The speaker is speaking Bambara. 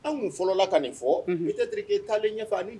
An fɔlɔ' taa